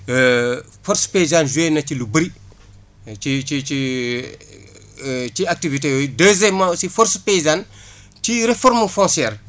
force paysane joué na ci lu bëri ci ci ci ci activité yooyu deuxièment ausi force paysane ci réforme focières